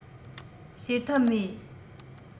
བྱེད ཐབས མེད